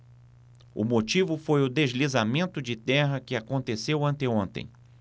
o motivo foi o deslizamento de terra que aconteceu anteontem